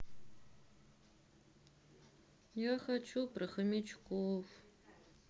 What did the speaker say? я хочу про хомячков